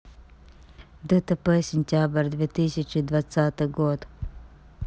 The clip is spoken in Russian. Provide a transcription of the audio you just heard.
дтп сентябрь две тысячи двадцатый год